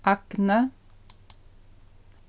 agnið